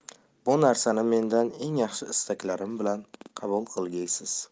bu narsani mendan eng yaxshi istaklarim bilan qabul qilgaysiz